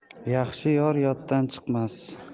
yaxshi yor yoddan chiqmas